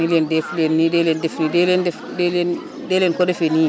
ne leen def leen nii dee leen def nii dee leen def dee leen ko defee nii